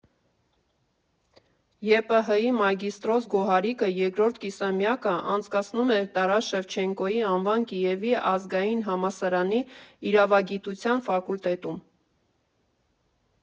ԵՊՀ֊ի մագսիստրոս Գոհարիկը երկրորդ կիսամյակը անցկացնում էր Տարաս Շևեչենկոյի անվան Կիևի ազգային համալսարանի իրավագիտության ֆակուլտետում։